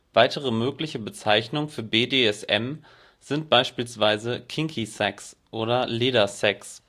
Weitere mögliche Bezeichnungen für BDSM sind beispielsweise Kinky Sex oder Ledersex